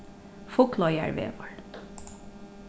fugloyarvegur